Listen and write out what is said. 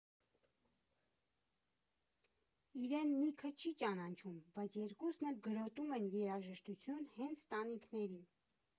Իրեն Նիքը չի ճանաչում, բայց երկուսն էլ գրոտում են երաժշտություն հենց տանիքներին։